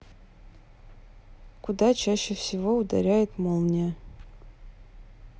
куда чаще всего ударяет молния